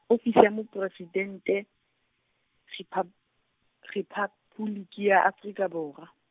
Ofisi ya Mopresidente, Riphab- Rephapoliki, ya Afrika Borwa.